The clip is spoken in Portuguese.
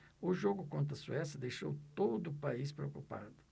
o jogo contra a suécia deixou todo o país preocupado